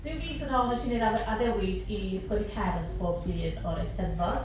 Ryw fis yn ôl wnes i wneud adde- addewid i sgwennu cerdd bob dydd o'r Eisteddfod.